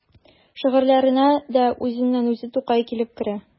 Шигырьләренә дә үзеннән-үзе Тукай килеп керә.